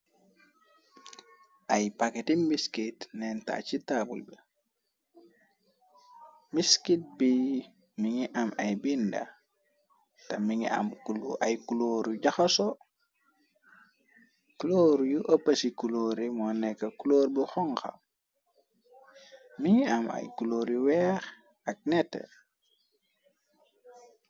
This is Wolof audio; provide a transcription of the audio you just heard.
Ay paketi biskate neenta ci taabul bi biskate bi mi ngi am ay binda. Te mingi ay kulooru jaxaso clor yu ëppaci culoore moo nekk clore bu xonga. Mi ngi am ay kulóoru weex ak nette.